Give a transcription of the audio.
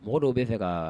Mɔgɔ dɔw bɛ fɛ ka